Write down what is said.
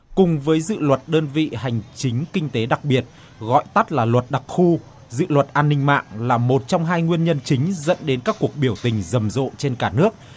cùng với dự luật đơn vị hành chính kinh tế đặc biệt gọi tắt là luật đặc khu dự luật an ninh mạng là một trong hai nguyên nhân chính dẫn đến các cuộc biểu tình rầm rộ trên cả nước